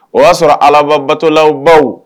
O y'a sɔrɔ Alaba batolabaw